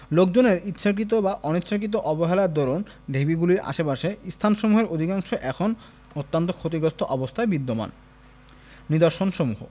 লোকজনের ইচ্ছাকৃত বা অনিচ্ছাকৃত অবহেলার দরুণ ঢিবিগুলির আশে পাশের স্থানসমূহের অধিকাংশই এখন অত্যন্ত ক্ষতিগ্রস্ত অবস্থায় বিদ্যমান নিদর্শনসমূহ